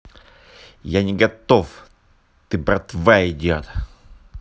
я не готов ты братва идет